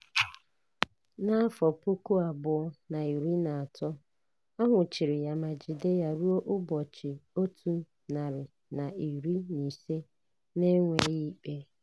Na 2013, a nwụchiri ya ma jide ya ruo ụbọchị 115 na-enweghị ikpe.